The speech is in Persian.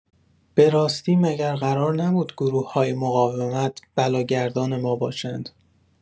براستی مگر قرار نبود گروه‌های مقاومت بلا گردان ما باشند؟